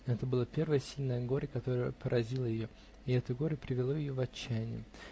Это было первое сильное горе, которое поразило ее, и это горе привело ее в отчаяние.